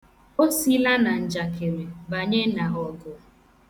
O sila na njakịrị banye n' ọgụ.